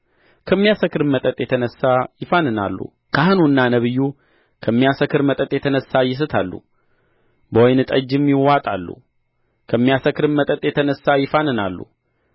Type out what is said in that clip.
ከሚያሰክርም መጠጥ የተነሣ ይፋንናሉ ካህኑና ነቢዩ ከሚያሰክር መጠጥ የተነሣ ይስታሉ በወይን ጠጅም ይዋጣሉ ከሚያሰክርም መጠጥ የተነሣ ይፋንናሉ